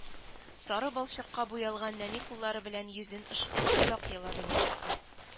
Сары балчыкка буялган нәни куллары белән йөзен ышкып озак елады ул